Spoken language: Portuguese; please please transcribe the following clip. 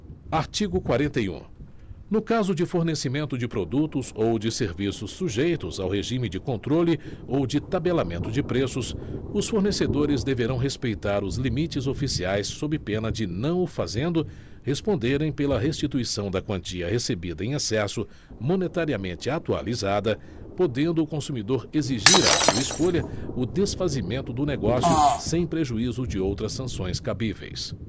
artigo quarenta e um no caso de fornecimento de produtos ou de serviços sujeitos ao regime de controle ou de tabelamento de preços os fornecedores deverão respeitar os limites oficiais sob pena de não o fazendo responderem pela restituição da quantia recebida em excesso monetariamente atualizada podendo o consumidor exigir à sua escolha o desfazimento do negócio sem prejuízo de outras sanções cabíveis